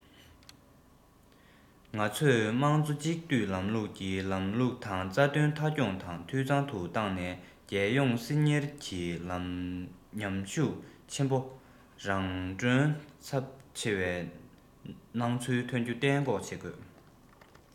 ང ཚོས དམངས གཙོ གཅིག སྡུད ལམ ལུགས ཀྱི ལམ ལུགས དང རྩ དོན མཐའ འཁྱོངས དང འཐུས ཚང དུ བཏང ནས རྒྱལ སྐྱོང སྲིད གཉེར གྱི མཉམ ཤུགས ཆེན པོ རང གྲོན ཚབས ཆེ བའི སྣང ཚུལ ཐོན རྒྱུ གཏན འགོག བྱེད དགོས